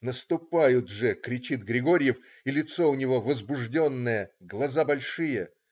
Наступают же!" - кричит Григорьев, и лицо у него возбужденное, глаза большие.